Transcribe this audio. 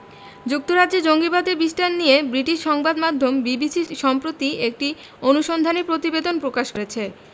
যুক্তরাজ্যে জঙ্গিবাদের বিস্তার নিয়ে ব্রিটিশ সংবাদমাধ্যম বিবিসি সম্প্রতি একটি অনুসন্ধানী প্রতিবেদন প্রকাশ করেছে